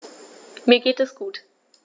Mir geht es gut.